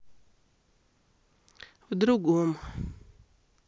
в другом